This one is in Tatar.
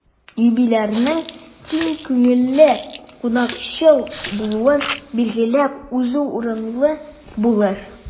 Юбилярның киң күңелле, кунакчыл булуын билгеләп узу урынлы булыр.